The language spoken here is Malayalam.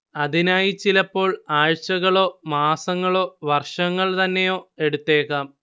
അതിനായി ചിലപ്പോൾ ആഴ്ചകളോ മാസങ്ങളോ വർഷങ്ങൾ തന്നെയോ എടുത്തേക്കാം